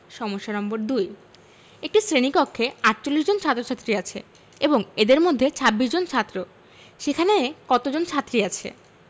সমস্যা নম্বর ২ একটি শ্রেণি কক্ষে ৪৮ জন ছাত্ৰ-ছাত্ৰী আছে এবং এদের মধ্যে ২৬ জন ছাত্র সেখানে কতজন ছাত্রী আছে